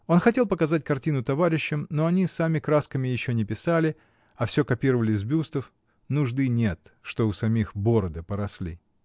Он хотел показать картину товарищам, но они сами красками еще не писали, а всё копировали с бюстов, нужды нет, что у самих бороды поросли.